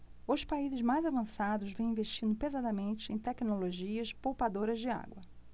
os países mais avançados vêm investindo pesadamente em tecnologias poupadoras de água